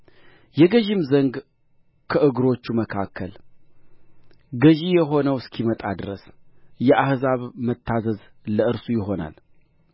የገዥም ዘንግ ከእግሮቹ መካከል ገዥ የሆነው እስኪመጣ ድረስ የአሕዛብ መታዘዝም ለእርሱ ይሆናል